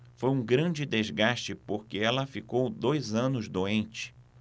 foi um grande desgaste porque ela ficou dois anos doente